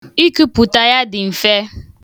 Ikupụta ya dị mfe.